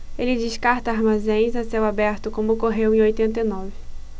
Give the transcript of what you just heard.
ele descarta armazéns a céu aberto como ocorreu em oitenta e nove